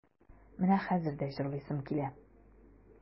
Менә хәзер дә җырлыйсым килә.